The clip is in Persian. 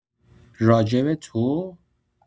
راجع‌به تو؟